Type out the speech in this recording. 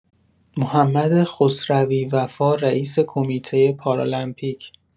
محمد خسروی وفا رئیس کمیته پارالمپیک